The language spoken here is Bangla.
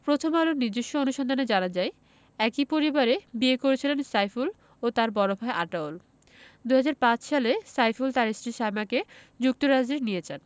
প্রথম আলোর নিজস্ব অনুসন্ধানে জানা যায় একই পরিবারে বিয়ে করেছিলেন সাইফুল ও তাঁর বড় ভাই আতাউল ২০০৫ সালে সাইফুল তাঁর স্ত্রী সায়মাকে যুক্তরাজ্যে নিয়ে যান